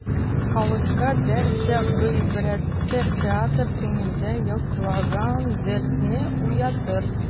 Халыкка дәрсе гыйбрәттер театр, күңелдә йоклаган дәртне уятыр.